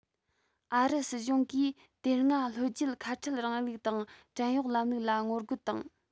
ཨ རི སྲིད གཞུང གིས དེ སྔ ལྷོ རྒྱུད ཁ ཕྲལ རིང ལུགས དང བྲན གཡོག ལམ ལུགས ལ ངོ རྒོལ དང